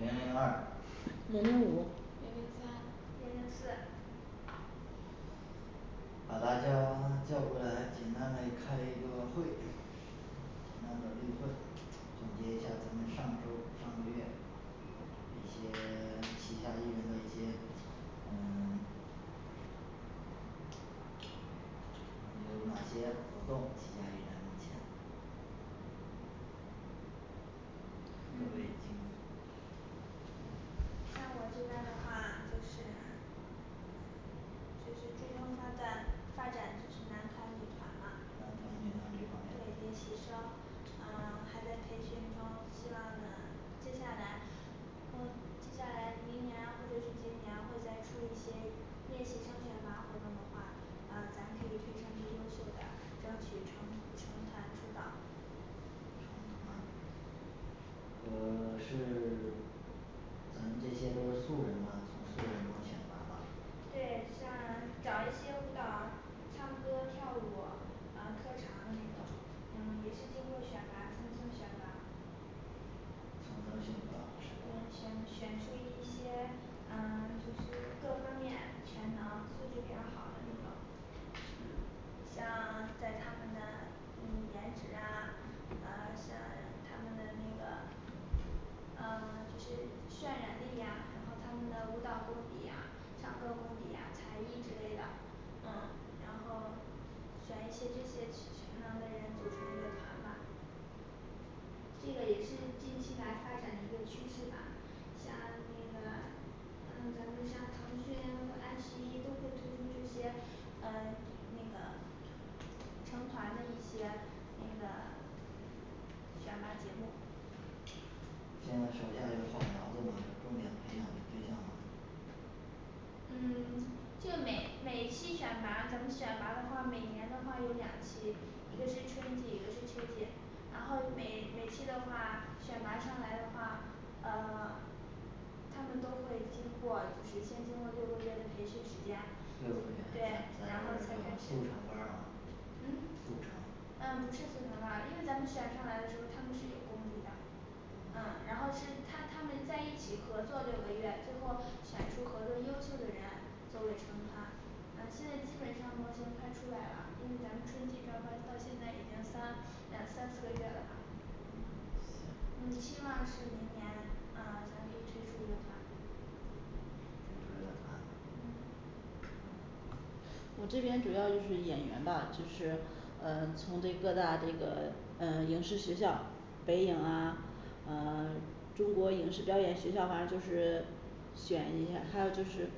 零零二零零五零零三零零四把大家都叫过来简单嘞开一个会，简单的例会总结一下咱们上周儿上个月一些 旗下艺人的一些嗯 嗯有哪些活动旗下艺人目前各位经嗯像我这边儿的话，就是就是注重发展发展就是男团女团嘛男团女团这方对面练习生呃还在培训中，希望呢接下来或接下来明年或者是今年会再出一些练习生选拔活动的话呃咱可以推上去优秀的争取成成团出道成团和 是 咱们这些都是素人嘛从素人中选拔吧对，像找一些舞蹈、唱歌、跳舞呃特长的那种，嗯也是经过选拔层层选拔层层选拔嗯选是吧选出一些呃就是各方面全能素质比较好的那种像 在他们的嗯颜值啊，呃像他们的那个呃就是渲染力呀，然后他们的舞蹈功底呀唱歌功底呀，才艺之类的，嗯然后选一些这些全 全能的人组成一个团吧这个也是近期来发展的一个趋势吧像那个像嗯咱们像腾讯和爱奇艺都会推出这些呃那个成团的一些那个选拔节目现在手下有好苗子吗有重点培养的对象吗嗯 这每每期选拔咱们选拔的话，每年的话有两期，一个是春季一个是秋季。然后每每期的话选拔上来的话呃 他们都会经过就是先经过六个月的培训时间六个对月咱咱然这后就是才这个开速始成班儿嘛嗯速成呃不是速成班儿因为咱们选上来的时候他们是有功底的，嗯嗯然后是他他们在一起合作六个月，最后选出合作优秀的人作为成团嗯现在基本上模型快出来了，因为咱们春季招班到现在已经三两三四个月了嘛嗯行嗯希望是明年呃咱可以推出一个团推嗯出一个团嗯我这边主要就是演员吧，就是呃从这各大这个嗯影视学校，北影啊呃中国影视表演学校，反正就是选一下，还有就是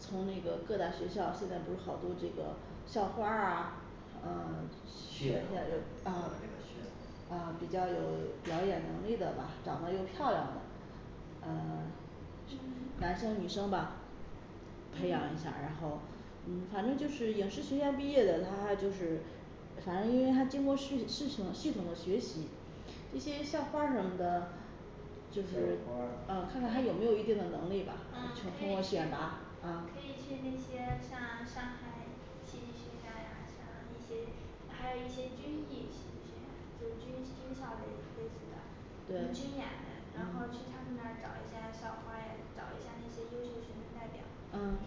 从那个各大学校现在不是好多这个校花儿啊呃噱头这个和这现在有呃个噱头呃比较有 表演能力的吧长得又漂亮的呃 嗯男生女生吧培养一下儿然后嗯反正就是影视学院毕业的，他就是反正因为他经过是系系统的学习这些校花儿什么的校就是可以嗯可以去可以呃花儿看看她有没有一定的能力吧，还是通通过选拔嗯去那些像上海戏剧学院然后像一些还有一些军艺学院就军军校类类似的对嗯军演的然后去他们那儿找一下校花儿呀，找一下那些优秀学生代表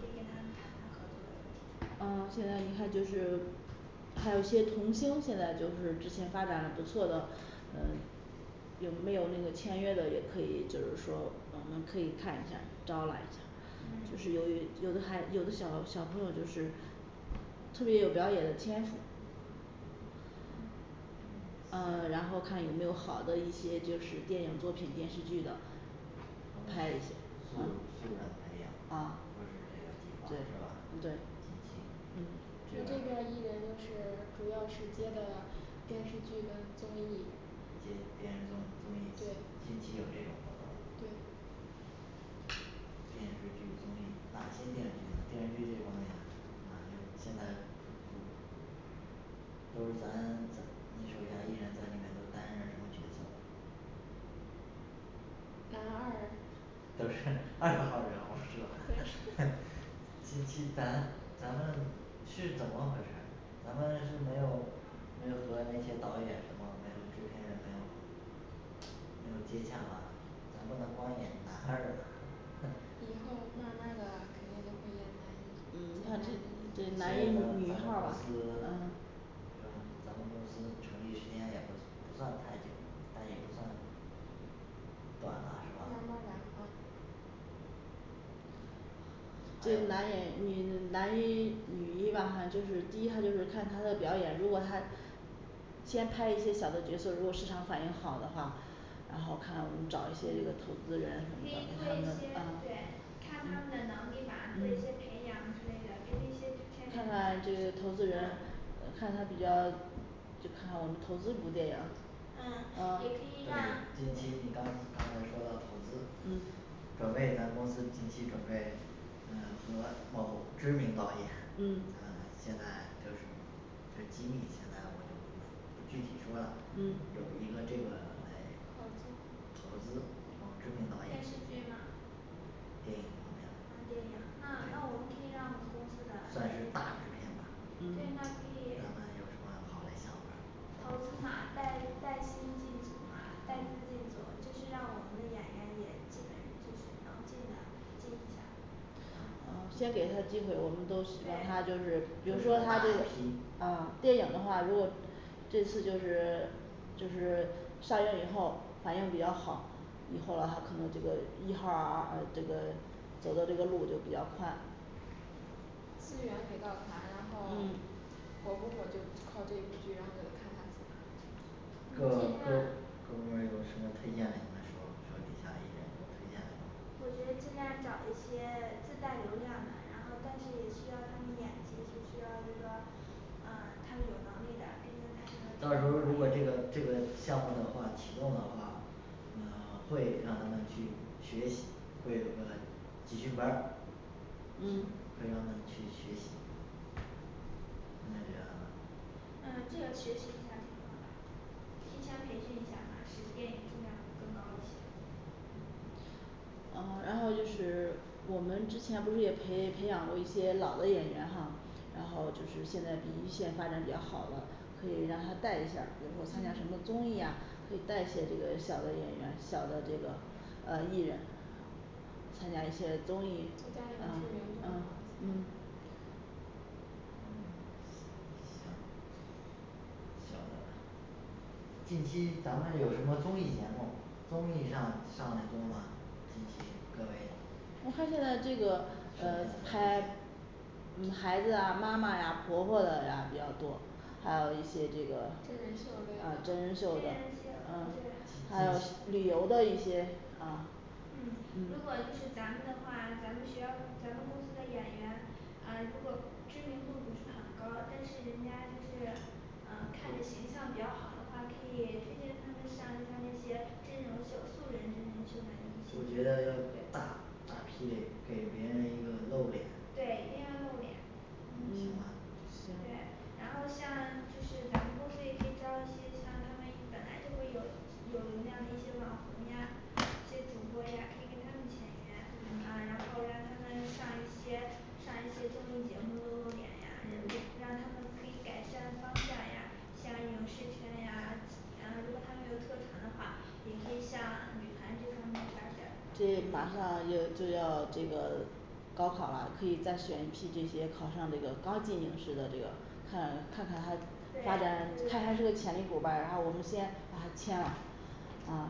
可以跟他们谈谈合作的问题啊现在你看就是还有一些童星现在就是之前发展的不错的呃，有没有那个签约的也可以，就是说我们可以看一下儿招揽一下就嗯是由于有的孩有的小小朋友就是，特别有表演的天赋嗯嗯呃然后看有没有好的一些就是电影作品电视剧的，拍一下就现在培养就是这个啊对地方嗯是对吧嗯我这边儿艺人就是主要是接的电视剧跟综艺接电视综综艺对近期有这种活动对电视剧、综艺哪些电影电视剧这方面哪些现在不就是咱在你手下依然在里面都担任什么角色男二都是二号儿人物儿是对吧 近期咱咱们是怎么回事儿，咱们是没有没有和那些导演什么没有制片人没有没有接洽吗咱不能光演男二啊 以后慢慢儿的肯定就会演男一演男对一男一女一号儿吧嗯是吧咱们公司成立时间也不算太久，但也不算短了是慢吧慢儿来啊还对 男还有演女男一女一吧好像就是第一他就是看他的表演如果他先拍一些小的角色如果市场反应好的话然后看我们找一些这个投资人可以什么的做让他一些们啊对看他们的能力吧做一些培养之类的跟那些制看看这片个投资人人嗯呃看他比较就看看我们投资部电影嗯也对可呃以让近期你刚刚才说到投资准备咱公司近期准备嗯和某知名导演呃嗯 现在就是这是机密现在我就不不具体说了，有一嗯个这个 嘞合作投资某知名导演电视剧电嘛影方啊面的电影那那我们可以让我们公司的算是演员大制片吧嗯对那可以咱们 有什么好嘞想法吗投资嘛带带薪进组嘛带资进组就是让我们的演员也基本就是能进来。进一下嗯嗯先给他机会，我们都希望他对就是比如说他这个呃电影的话，如果这次就是 就是上映以后反应比较好以后了他可能这个一号儿啊呃这个走的这个路就比较宽资源给到他，然后嗯火不火就靠这一部剧然后就得看他自个儿了我各们尽各量各部门儿有什么推荐嘞你们手手底下艺人有推荐嘞吗我觉得尽量找一些自带流量的，然后但是也需要他们演技，是需要一个啊他们有能力的毕竟他们是个到时候儿知如名导果这演个这个项目的话启动的话嗯会让他们去学习，会有个集训班儿嗯嗯会让他们去学习你们觉得呢嗯这个学习一下挺好的提前培训一下嘛使电影质量更高一些啊然后就是我们之前不是也培培养过一些老的演员哈，然后就是现在比一线发展比较好的，可以让他带一下儿，比如说参加什嗯么综艺呀可以带一些这个小的演员，小的这个呃艺人，参加一些综增加那个知名艺啊度啊嘛嗯嗯行 行嗯小的近期咱们有什么综艺节目，综艺上上嘞多吗？近期各位我看现在这个手下的这呃些拍嗯孩子啊妈妈呀婆婆的呀比较多还有一些这个真啊真人秀类的人真人秀秀的呃呃对还有近近期旅游的一些啊嗯如果就是咱们的话，咱们学校咱们公司的演员啊如果知名度不是很高，但是人家就是呃看着形象比较好的话，可以推荐他们上一下那些真人秀素人真人秀我觉的一些得要大对大批嘞给别人一个露脸对一定要露脸嗯行吧对行，然后像就是咱们公司也可以招一些像他们本来就会有有流量的一些网红呀一些主播呀可以跟他们签约，呃然后让他们上一些上一些综艺节目露露脸呀，也让 让他们可以改善方向呀，像影视圈呀，然后如果他们有特长的话，也可以向女团这方面发展就这对马上个又就要这个高考啦，可以再选一批这些考上这个刚进影视的这个，看看看他对对对对发展看他是个潜力股儿吧然后我们先把他签了。啊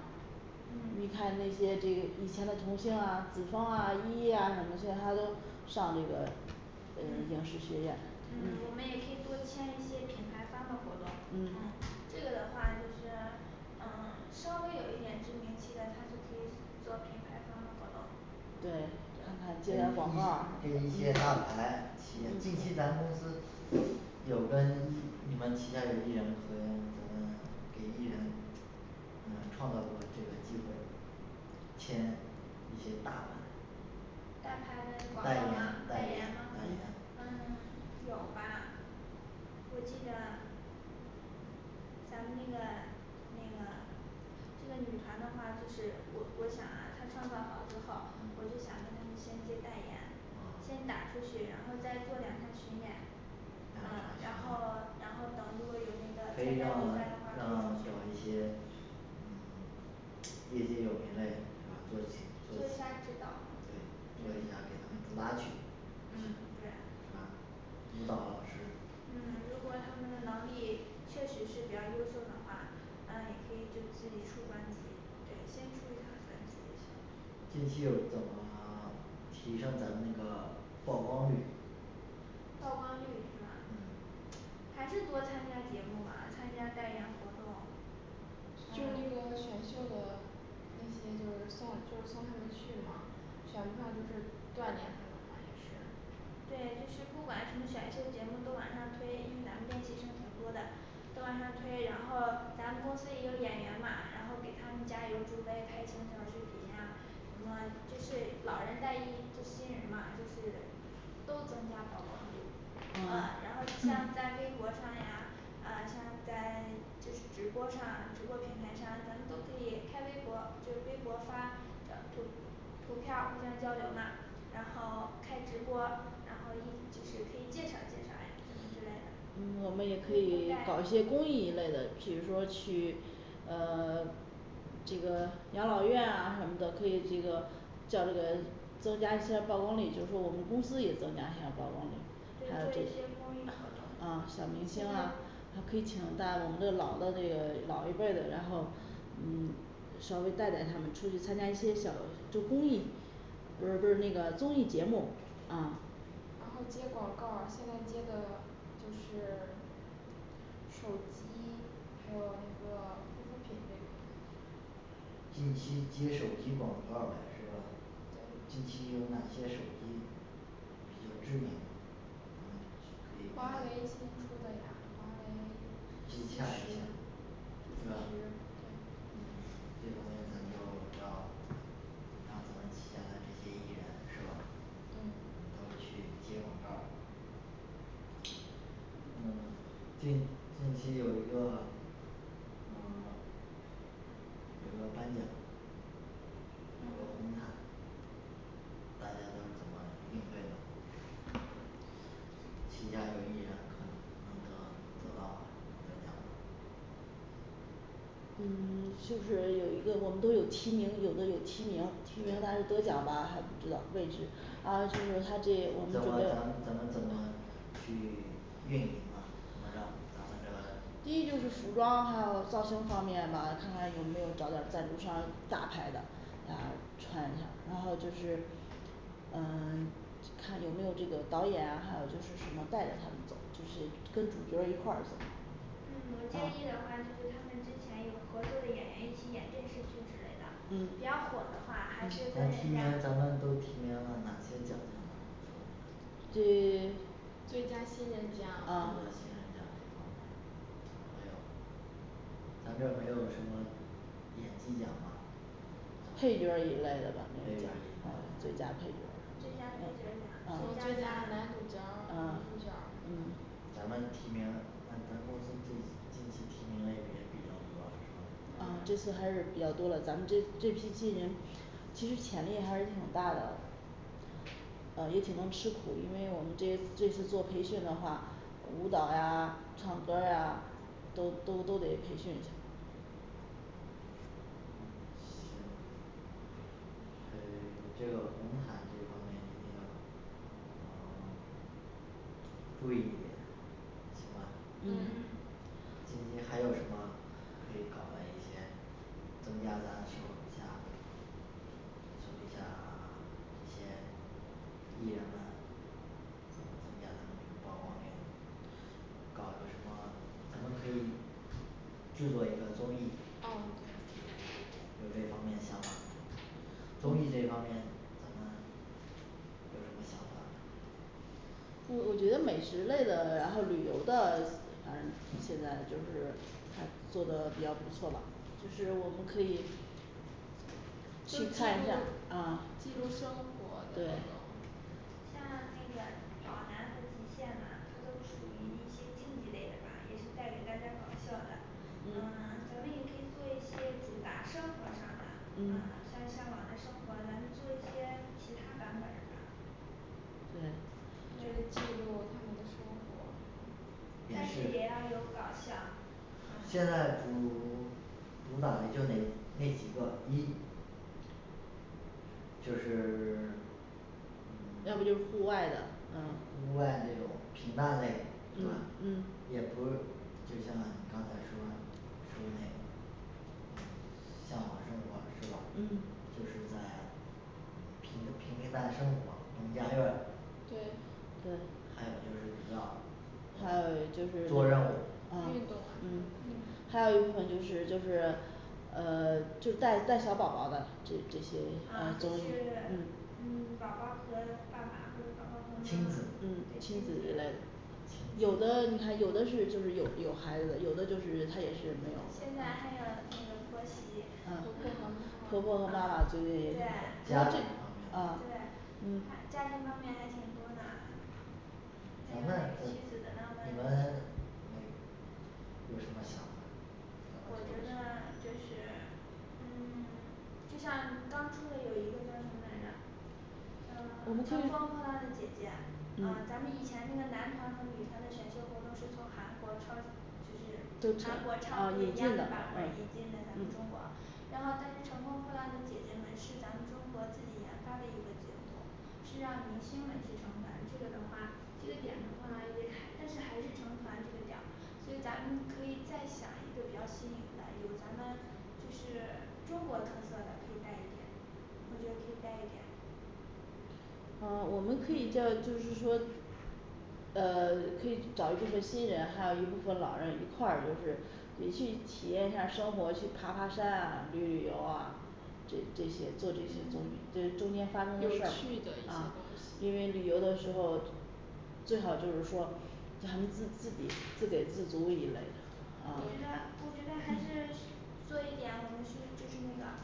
嗯你看那些这个以前的童星啊子枫啊依依啊什么，现在她都上这个呃影嗯视学院了嗯我们也可以多签一些品牌方的活动嗯这个的话就是呃稍微有一点知名气的，他就可以做品牌方的活动对，看给一看接点儿广告儿啊什么给一的些大牌企业，近期咱们公司有跟一你们旗下有艺人和咱们给艺人嗯创造过这个机会没签一些大牌大牌的广告代言吗代代言言吗代言嗯 有吧我记得咱们那个那个这个女团的话就是，我我想啊它创造好之后，我就想嗯跟她们先接代言啊先打出去，然后再做两场巡演两场。嗯然后巡演然后等如果有那个可参以让加比赛的话让找就一出些去嗯业界有名嘞是吧作曲作起对做一做下指导一下给他们主打曲嗯对是吧舞蹈老师嗯如果他们的能力确实是比较优秀的话，啊也可以就自己出专辑。对，先出一趟专辑就行近期有怎么提升咱们那个曝光率曝光率是吧嗯 还是多参加节目嘛，参加代言活动就是那嗯个选秀的那些就是送就是送他们去嘛选不上就是锻炼他们嘛，也是对，就是不管什么选秀节目都往上推，因为咱们练习生挺多的，都往上推，然后咱们公司也有演员嘛然后给他们加油助威，拍成小视频呀什么就是老人带一就新人嘛就是都增加曝光度呃呃然后像在微博上呀啊像在就是直播上直播平台上，咱们都可以开微博，就微博发小图，图片儿互相交流嘛然后开直播然后一就是可以介绍介绍呀什么之类的嗯我们也可可以以互搞带一些公益一类的，比如说去呃 这个养老院啊什么的可以这个叫这个增加一些曝光率，就是说我们公司也增加一下曝光对率还有就做一些是公益活 动呃小明星啦他可以请带我们的老的这个老一辈的然后嗯呃稍微带带他们出去参加一些小就公益。不是不是那个综艺节目啊然后接广告儿，现在接的就是手机还有那个护肤品那种的近期接手机广告儿嘞是吧？在近期有哪些手机比较知名咱们就 华可为以新跟他出的呀华为 其接实其洽实一下对对吧这方面咱就要让咱们旗下的这些艺人是吧嗯嗯都要去接广告儿嗯近近期有一个呃有没有颁奖还有红毯大家都怎么应对的就是旗下有艺人可能得得到吗能得奖吗嗯 就是有一个我们都有提名，有的有提名提名，但是得奖吧还不知道未知啊就是他这我们怎准么备咱咱们怎么去 运营呢怎么让咱们的第一就是服装，还有造型方面吧，看看有没有找点儿赞助商大牌的让他穿一下然后就是呃 去看有没有这个导演啊，还有就是什么带着他们走，就是跟主角儿一块走嗯我建议啊的话就是他们之前有合作的演员一起演电视剧之类的，比嗯较火的话，还是跟咱提人名家咱们都提名了哪些奖项呢就是他们这 最佳新人奖最佳新人奖这方面儿啊还有吗咱这儿没有什么演技奖配角儿吗一类的吧这个奖啊最佳配角儿最佳配角儿然后奖最呃啊最佳佳男男主角儿女主角啊儿什么的咱们提名那咱们公司这近期提名嘞也比较多啊是吧啊这嗯次还是比较多的，咱们这这批新人其实潜力还是挺大的呃也挺能吃苦，因为我们这这次做培训的话舞蹈呀唱歌呀都都都得培训一下儿嗯行还 这个红毯这方面一定要呃 注意一点行吧嗯嗯嗯近期还有什么可以搞的一些增加咱手下手底下 这些艺人们这么增加他们那个曝光率呢搞个什么咱们可以制作一个综艺啊对有这方面想法没综艺这一方面咱们有什么想法没我我觉得美食类的，然后旅游的，反正现在就是还做的比较不错吧，就是我们可以就记去录看一下啊记录生活的那对种像那个跑男和极限嘛，它都属于一些竞技类的吧，也是带给大家搞笑的呃嗯咱们也可以做一些主打生活上的呃嗯像向往的生活，咱们做一些其他版本儿的对就是记对录他们的生活也但是是也要有搞笑啊现在主 主打嘞就那那几个一就是 要不就是嗯户外的户户嗯外这种平淡类是嗯吧也嗯不是。就像刚才说说那个嗯向往生活是吧嗯就是在嗯平平平淡生活农家院儿对对还有就是比较还有就是呃做任务啊运动啊什么的嗯还有一部分就是就是呃就带带小宝宝的这这些呃啊综就艺是嗯宝宝和爸爸或者宝宝和妈妈对亲亲子一子类的类有的亲子你看有的是就是有有孩子的，有的就是他也是没现有的在还啊有那个婆媳婆婆和妈妈啊对对啊啊婆婆婆和妈妈婆和妈妈啊最近也对挺家火的它这庭呃方面的对还家嗯庭方面还挺多呢还咱有那们这妻子的浪漫你们旅行没有什么想法咱们我做个觉得什么就是嗯 就像刚出的有一个叫什么来着呃我们其实乘风破嗯浪的姐姐啊嗯咱们以前那个男团和女团的选秀活动是从韩国抄都就是全韩国差啊不多引一进样的的版本呃儿引进的咱们中国然后但是乘风破浪的姐姐们是咱们中国自己研发的一个节目，是让明星们去成团这个的话这个点的话，也还但是还是成团这个点儿所以咱们可以再想一个比较吸引的，有咱们就是 中国特色的可以带一点我觉得可以带一点啊我们可以叫就是说呃 可以找一部分新人，还有一部分老人一块儿就是也去体验一下生活，去爬爬山啊旅旅游啊这这些做这些东西呃中间发有生的事趣的一儿啊些东，因西为旅游的时候最好就是说叫他们自自己自给自足一类的啊我觉嗯得我觉得还是做一点我们是就是那个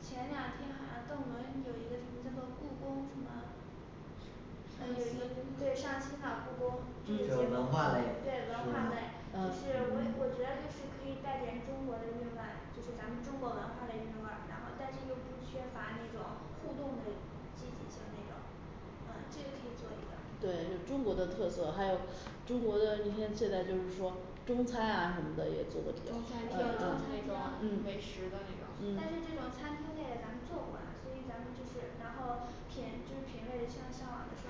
前两天好像邓伦有一个什么叫做故宫什么上呃 有上一个新对上新了故宫这个节目有对文文嗯化化嘞类就就嗯是我我觉得就是可以带点中国的韵味就是咱们中国文化的韵味儿，然后但是又不缺乏那种互动的积极的那个，呃这个可以做一个对就中国的特色，还有中国的那些现在就是说中餐啊什么的，也中餐厅做做中餐厅啊啊那种嗯嗯美食的嗯但那个是这个餐厅类咱们做不完所以咱们就是然后品就品味向向往的生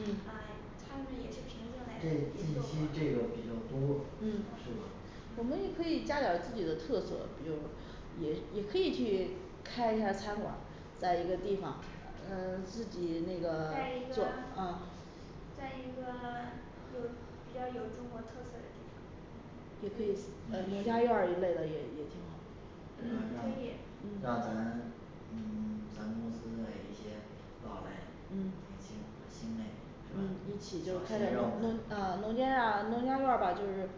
嗯啊他们也是对凭着嘞这自近己做期这个比较多嗯是吗我们也可以加点儿自己的特色，比如也也可以去开一下餐馆儿，在一个地方呃自己那在个一做个啊在一个有比较有中国特色的地方也嗯可可以以呃农家院儿一类的也也挺好那嗯可让以让咱嗯咱公司的一些老嘞明星和新嘞一是吧起就开个农村啊农家院儿农家院儿吧就是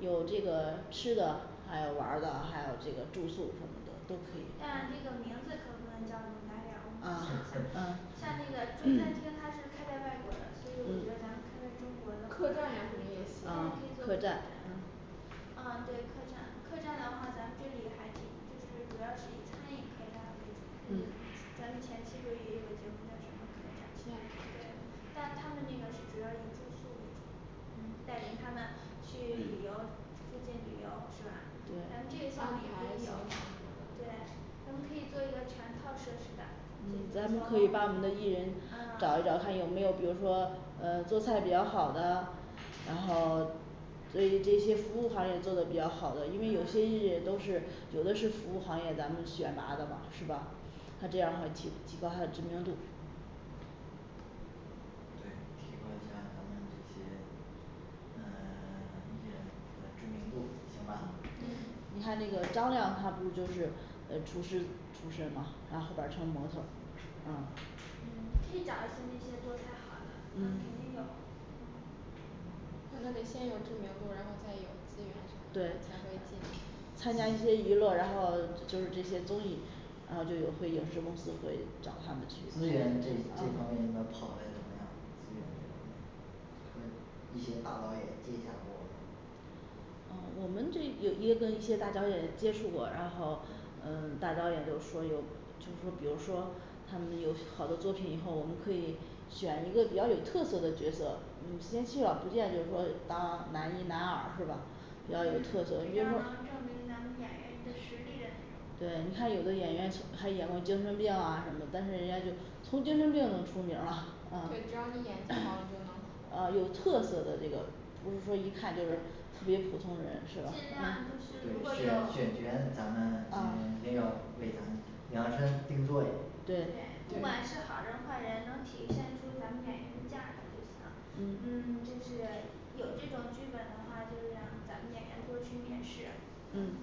有这个吃的，还有玩儿的，还有这个住宿什么的都可以但啊这个名字可不能叫农家院儿我们啊得想想啊像那个中餐厅它 是开在外国的所以我觉得咱们开在中国的话 客可以做一栈个呀哎什么可以也做啊行一个客客栈栈嗯啊对客栈，客栈的话咱们这里还挺就是主要是以餐饮客栈为主。嗯嗯咱们前期不是也有个节目叫的什么客亲栈爱的对客栈但他们那个主要以住宿为主嗯带领他们去旅游出境旅游是吧？咱对们这安排行程个项目也可以什有么。的对咱们可以做一个全套设施的就是咱能们可以把我啊们的艺人找一找，啊看有没有比如说呃做菜比较好的 然后所以这些服务行业做的比较好的，因为有些艺人都是有的是服务行业咱们选拔的吧是吧他这样的话提提高他的知名度对提高一下咱们这些呃 一些的知名度行吧嗯你看那个张亮他不就是呃厨师出身嘛，然后后边儿成模特啊嗯可以找一些那些做菜好的嗯肯定有那嗯 他得先有知名度，然后再有资源什么的对才会进嗯参加一资些娱乐，然后就是这些综艺，然后就有会影视公司会找他们去资源，这这方面你们跑嘞怎么样？资源这方面和一些大导演，接洽过吗啊我们这也也跟一些大导演接触过，然后嗯大导演就说有就是说比如说他们有些好的作品以后，我们可以 选一个比较有特色的角色，你们先去了，不见就是说当男一男二是吧嗯比比较较有能证特色因为明咱们演员的实力的对那种，你看有的演员说 还演过精神病啊什么，但是人家就从精神病能出名儿了啊对，只要你演技好你就 啊能火有特色的这个不是说一看就是特别普通人尽量就是吧？啊啊对是如果对有选选角咱们啊这些人一定要为咱量身定做一对对不管对是好人坏人能体现出咱们演员的价值就行嗯嗯就是有这种剧本的话就是让咱们演员多去面试嗯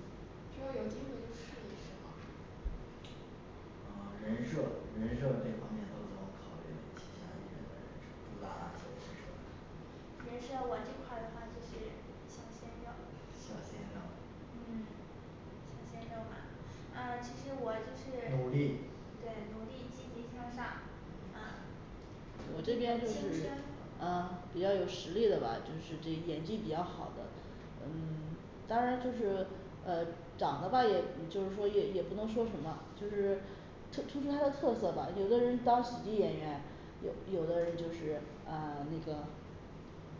只要有机会就试一试嘛啊人设人设这方面都怎么考虑嘞，旗下艺人的人设主打哪些人设人设我这块儿的话，就是小鲜肉 小鲜肉嗯小鲜肉嘛啊其实我就是努力对努力积极向上啊我这青边就是春啊比较有实力的吧，就是这演技比较好的呃当然就是呃长的吧也就是说也也不能说什么就是，特 突出他的特色吧有的人当喜剧演员有有的人就是啊那个